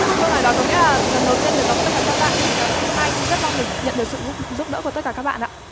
câu nói đó có nghĩa là lần đầu tiên được gặp tất cả các bạn mình là nguyễn phương anh rất mong nhận được sự giúp đỡ của tất cả các bạn ạ